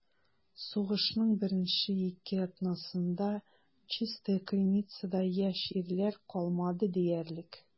Сугышның беренче ике атнасында Чистая Криницада яшь ирләр калмады диярлек.